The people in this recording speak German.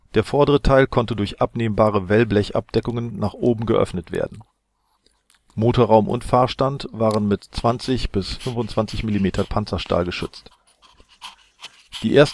der vordere Teil konnte durch abnehmbare Wellblechabdeckungen nach oben geöffnet werden. Der Laderaum konnte über die mechanisch betriebene Landerampe direkt befahren werden. Motorraum und Fahrstand waren mit 20 bis 25 mm Panzerstahl geschützt. Die